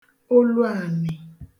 onu ànị